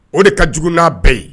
O de ka jugu bɛɛ ye